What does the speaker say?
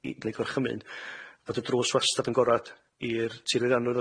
i- neu' gorchymyn, fod y drws wastad yn gorad i'r tirwyddannwyr